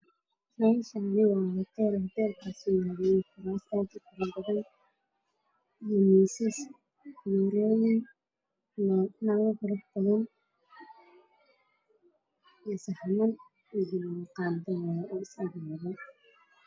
Waa maqaayad waxaa iiga muuqda kuraasman iyo miisaas midabkooda yahay dahabi kuraasmanka waa cadaan kor u dahabi